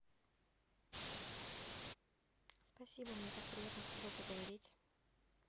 спасибо мне так приятно с тобой поговорить